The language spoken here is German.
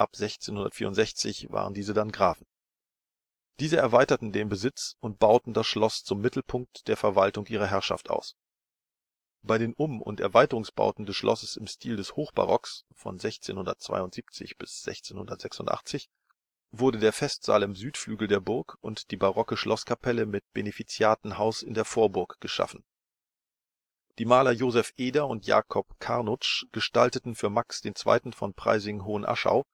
1664 Grafen). Diese erweiterten den Besitz und bauten das Schloss zum Mittelpunkt der Verwaltung ihrer Herrschaft aus. Bei den Um - und Erweiterungsbauten des Schlosses im Stil des Hochbarocks (1672 bis 1686) wurde der Festsaal im Südflügel der Burg und die barocke Schlosskapelle mit Benefiziatenhaus in der Vorburg geschaffen. Die Maler Joseph Eder und Jakob Carnutsch gestalteten für Max II. von Preysing-Hohenaschau